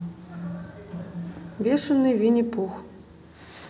бешеный винни пух